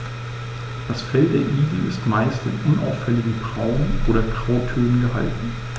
Das Fell der Igel ist meist in unauffälligen Braun- oder Grautönen gehalten.